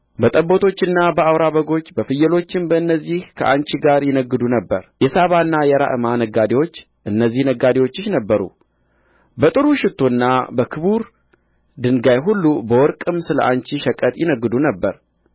በጠቦቶችና በአውራ በጎች በፍየሎችም በእነዚህ ከአንቺ ጋር ይነግዱ ነበር የሳባና የራዕማ ነጋዴዎች እነዚህ ነጋዴዎችሽ ነበሩ በጥሩ ሽቶና በክብር ድንጋይ ሁሉ በወርቅም ስለ አንቺ ሸቀጥ ይነግዱ ነበር